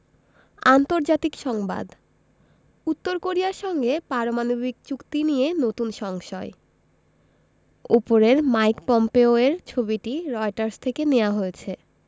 আন্তর্জাতিক সংবাদ উত্তর কোরিয়ার সঙ্গে পারমাণবিক চুক্তি নিয়ে নতুন সংশয় উপরের মাইক পম্পেও এর ছবিটি রয়টার্স থেকে নেয়া হয়েছে